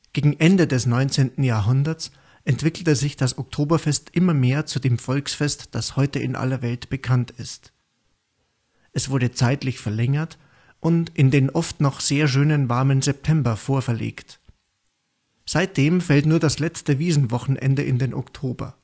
Gegen Ende des 19. Jahrhunderts entwickelte sich das Oktoberfest immer mehr zu dem Volksfest, das heute in aller Welt bekannt ist. Es wurde zeitlich verlängert und in den oft noch sehr schönen, warmen September vorverlegt. Seitdem fällt nur das letzte Wiesnwochenende in den Oktober